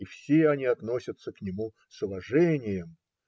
И все они относятся к нему с уважением.